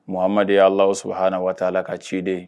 Mahamadu ye Alahu subahana wataala ka ciden ye